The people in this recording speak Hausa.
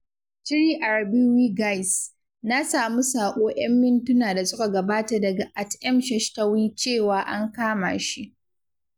3arabawyGuys, na samu saƙo 'yan mintuna da suka gabata daga @msheshtawy cewa an kama shi.